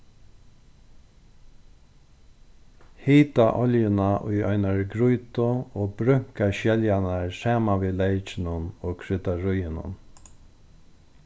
hita oljuna í einari grýtu og brúnka skeljarnar saman við leykinum og kryddaríunum